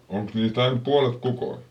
onkos niistä aina puolet kukkoja